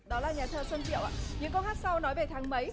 đó là nhà thơ xuân diệu ạ những câu hát sau nói về tháng mấy